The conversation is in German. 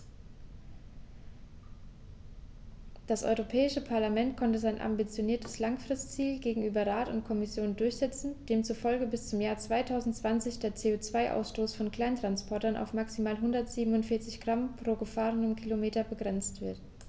Das Europäische Parlament konnte sein ambitioniertes Langfristziel gegenüber Rat und Kommission durchsetzen, demzufolge bis zum Jahr 2020 der CO2-Ausstoß von Kleinsttransportern auf maximal 147 Gramm pro gefahrenem Kilometer begrenzt wird.